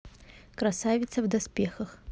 красавица в доспехах